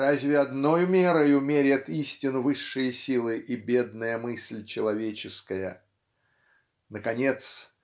разве одною мерою мерят истину высшие силы и бедная мысль человеческая? Наконец